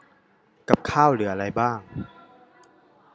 กับข้าวเหลืออะไรบ้าง